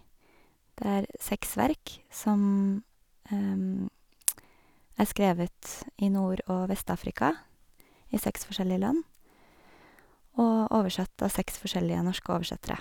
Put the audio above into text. Det er seks verk som er skrevet i Nord- og Vest-Afrika i seks forskjellige land og oversatt av seks forskjellige norske oversettere.